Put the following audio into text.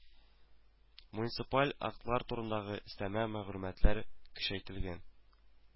Муниципаль актлар турындагы өстәмә мәгълүматлар көчәйтелгән